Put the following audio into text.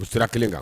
U sira kelen kan